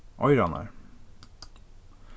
oyrarnar